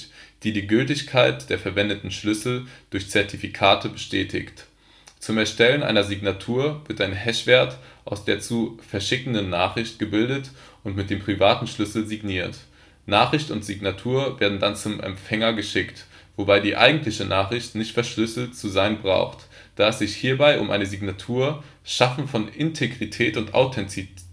die Gültigkeit der verwendeten Schlüssel durch Zertifikate bestätigt. Zum Erstellen einer Signatur wird ein Hashwert aus der zu verschickenden Nachricht gebildet und mit dem privaten Schlüssel signiert. Nachricht und Signatur werden dann zum Empfänger geschickt, wobei die eigentliche Nachricht nicht verschlüsselt zu sein braucht, da es sich hierbei um eine Signatur (Schaffen von Integrität und Authentizität